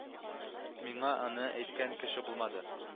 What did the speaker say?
Миңа аны әйткән кеше булмады